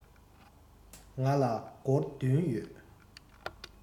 ང ལ སྒོར བདུན ཡོད